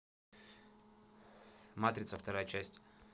матрица вторая часть